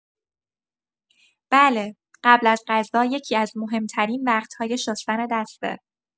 بله، قبل از غذا یکی‌از مهم‌ترین وقت‌های شستن دسته.